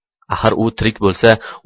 axir u tirik bo'lsa